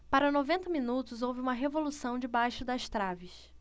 para noventa minutos houve uma revolução debaixo das traves